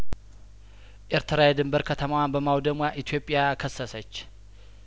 ኤርትራ የድንበር ከተማዋን በማውደሟ ኢትዮጵያ ከሰሰች